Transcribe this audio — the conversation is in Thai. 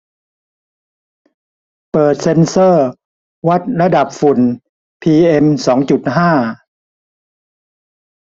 เปิดเซ็นเซอร์วัดระดับฝุ่นพีเอ็มสองจุดห้า